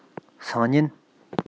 སང ཉིན